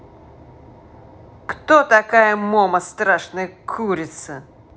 кто такая момо страшная курица